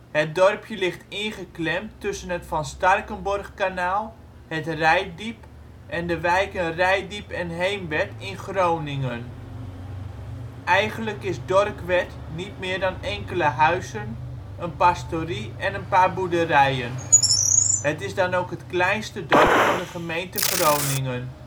Het dorpje ligt ingeklemd tussen het Van Starkenborghkanaal, het Reitdiep en de wijken Reitdiep en Heemwerd in Groningen. Eigenlijk is Dorkwerd niet meer dan enkele huizen, een pastorie en een paar boerderijen. Het is dan ook het kleinste dorp in de gemeente Groningen